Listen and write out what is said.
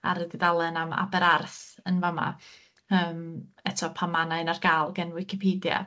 Ar y dudalen am Aberarth yn fa' 'ma yym eto pan ma' 'na un ar ga'l gen Wicipedia.